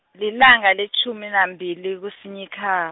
lilanga letjhumi nambili kuSinyikha-.